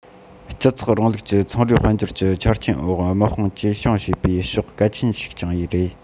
སྤྱི ཚོགས རིང ལུགས ཀྱི ཚོང རའི དཔལ འབྱོར གྱི ཆ རྐྱེན འོག དམག དཔུང བཅོས སྐྱོང བྱེད པའི ཕྱོགས གལ ཆེན ཞིག ཀྱང རེད